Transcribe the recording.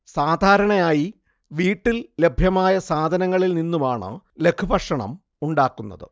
സാധാരണയായി വീട്ടിൽ ലഭ്യമായ സാധനങ്ങളിൽ നിന്നുമാണ് ലഘുഭക്ഷണം ഉണ്ടാക്കുന്നത്